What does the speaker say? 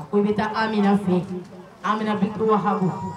U bɛ taa an min fɛ anmina bi haku